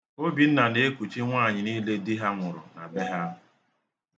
Obinna na-ekuchi nwaanyị niile di ha nwụrụ na be ha.